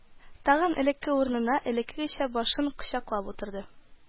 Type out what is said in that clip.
Тагын элекке урынына, элеккечә башын кочаклап утырды